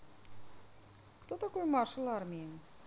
кто такой маршал армии